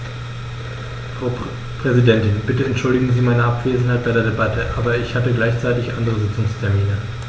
Frau Präsidentin, bitte entschuldigen Sie meine Abwesenheit bei der Debatte, aber ich hatte gleichzeitig andere Sitzungstermine.